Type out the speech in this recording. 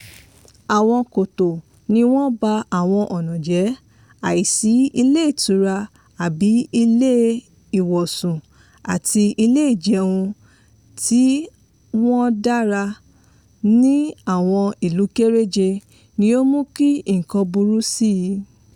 Àwọn kòtò ni wọ́n ba àwọn ọ̀nà jẹ́, àìsí ilé-ìtura àbí ilé-ìwọ̀sùn àti ilé-ìjẹun tí wọ́n dára ní àwọn ìlú kéréje ni ó mú kí nǹkan burú síi.